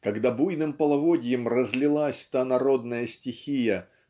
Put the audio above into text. когда буйным половодьем разлилась та народная стихия